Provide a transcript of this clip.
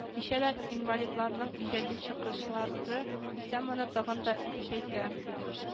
Кичәдә инвалидларның иҗади чыгышлары исә моны тагын да көчәйтә